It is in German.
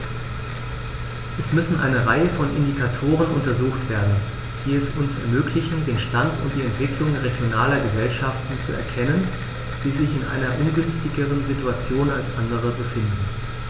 Es müssen eine Reihe von Indikatoren untersucht werden, die es uns ermöglichen, den Stand und die Entwicklung regionaler Gesellschaften zu erkennen, die sich in einer ungünstigeren Situation als andere befinden.